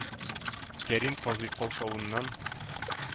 Кәрим казый каушавыннан